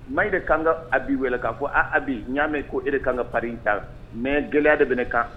Mayi de kan ka tiki wele ka fɔ ko a Abi n ya mɛn ko e de ka kan ka parie ta bi mais gɛlɛyaya de bɛ n kan.